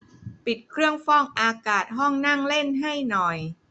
ปิดเครื่องฟอกอากาศห้องนั่งเล่นให้หน่อย